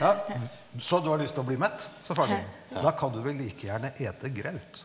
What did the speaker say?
ja, så du har lyst til å bli mett, sa faren min, da kan du vel like gjerne ete graut.